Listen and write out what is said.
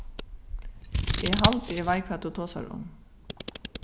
eg haldi eg veit hvat tú tosar um